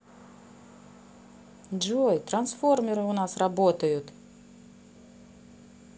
джой трансформеры у нас работают